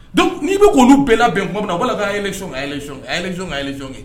Dɔnkuc n'i bɛ k oluolu bɛɛ la bɛn tuma na b' la ka' yɛlɛ sɔn ka a yɛlɛ sɔn ka yɛlɛ son ye